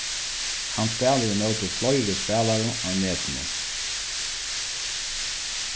hann spælir ímóti fleiri spælarum á netinum